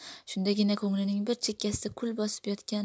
shundagina ko'nglining bir chekkasida kul bosib yotgan